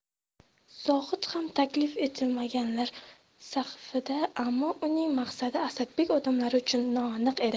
zohid ham taklif etilmaganlar safida ammo uning maqsadi asadbek odamlari uchun noaniq edi